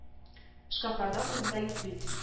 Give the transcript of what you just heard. Шкафларда урын да юк бит